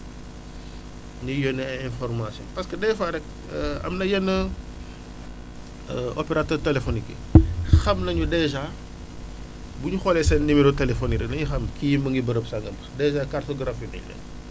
ñuy yónnee ay information parce que des fois rek am na yenn opérateur téléphoniques yi xam nañu dèjà bu ñu xoolee seen numéro téléphonioque dañuy xam kii mu ngi bërëb sangam ndax dèjà cartographie bi la